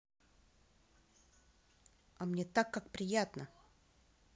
а мне так как приятно